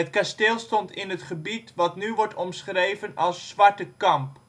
kasteel stond in het gebied wat nu wordt omschreven als Zwarte Kamp